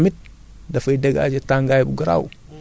yow nga xamne li ngay togg mi ngi ñor sa compost mi ngi ñor